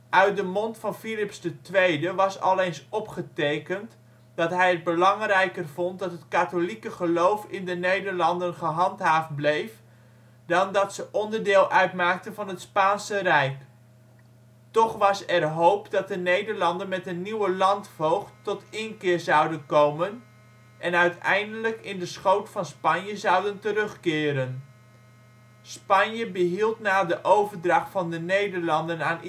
Uit de mond van Filips II was al eens opgetekend dat hij het belangrijker vond dat het katholieke geloof in de Nederlanden gehandhaafd bleef, dan dat ze onderdeel uitmaakten van het Spaanse rijk. Toch was er hoop dat de Nederlanden met een nieuwe landvoogd tot inkeer zouden komen en uiteindelijk in de schoot van Spanje zouden terugkeren. Spanje behield na de overdracht van de Nederlanden aan